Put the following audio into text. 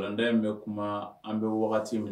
Laada in bɛ kuma an bɛ wagati min na.